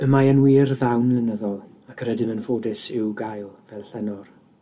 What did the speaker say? Y mae yn wir ddawn lenyddol ac yr ydym yn ffodus i'w gael fel llenor.